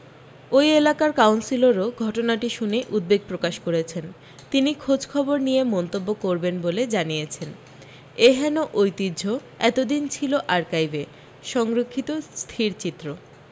ওই এলাকার কাউন্সিলরও ঘটনাটি শুনে উদ্বেগ প্রকাশ করেছেন তিনি খোঁজখবর নিয়ে মন্তব্য করবেন বলে জানিয়েছেন এ হেন ঐতিহ্য এত দিন ছিল আর্কাইভে সংরক্ষিত স্থিরচিত্র